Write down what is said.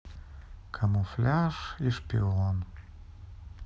камуфляж и шпион